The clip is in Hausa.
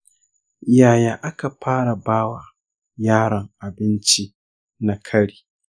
yaya aka fara ba wa yaron abinci na kari?